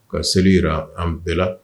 Ka seli yira an bɛɛ la